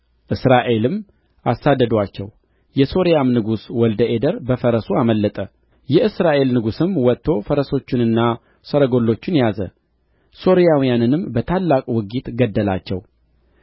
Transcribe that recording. እስራኤልም አሳደዱአቸው የሶርያም ንጉሥ ወልደ አዴር በፈረሱ አመለጠ የእስራኤል ንጉሥም ወጥቶ ፈረሶቹንና ሰረገሎቹን ያዘ ሶርያውያንንም በታላቅ ውጊት ገደላቸው